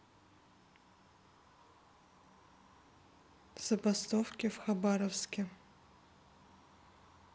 забастовки в хабаровске